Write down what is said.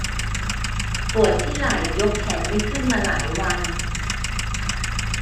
ปวดที่ไหล่ยกแขนไม่ขึ้นมาหลายวัน